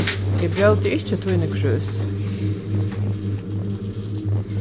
eg bróti ikki tíni krúss